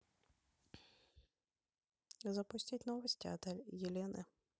запустить новости от елены